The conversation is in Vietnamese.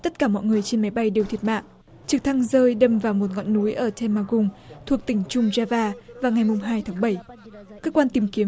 tất cả mọi người trên máy bay đều thiệt mạng trực thăng rơi đâm vào một ngọn núi ở tai ma cung thuộc tỉnh trung giai va vào ngày mùng hai tháng bảy cơ quan tìm kiếm